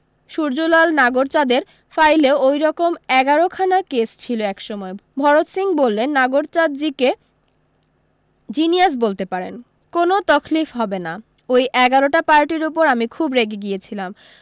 সুরজলাল নাগরচাঁদের ফাইলে ওইরকম এগারোখানা কেস ছিল এক সময় ভরত সিং বললেন নাগরচাঁদজীকে জিনিয়াস বলতে পারেন কোনো তখলিফ হবে না ওই এগারোটা পার্টির উপর আমি খুব রেগে গিয়েছিলা